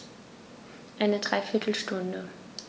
Eine dreiviertel Stunde